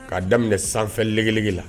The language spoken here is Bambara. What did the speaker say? K'a daminɛ sanfɛlɛli la